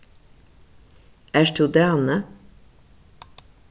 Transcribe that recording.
ert tú dani